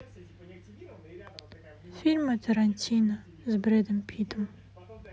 фильмы тарантино с бредом питтом